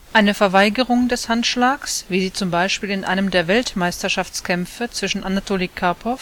Eine Verweigerung des Handschlages, wie sie zum Beispiel in einem der Weltmeisterschaftskämpfe zwischen Anatoli Karpow